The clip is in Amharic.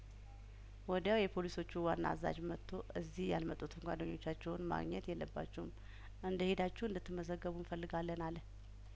ወዲያው የፖሊሶቹ ዋና አዛዥ መጥቶ እዚህ ያልመጡትን ጓደኞቻችሁን ማግኘት የለባችሁም እንደሄዳችሁ እንድት መዘገቡ እንፈልጋለን አለ